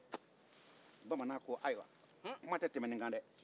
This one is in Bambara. bamanan ko kuma tɛ tɛmɛ nin kan de